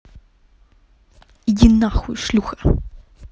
иди нахуй шлюха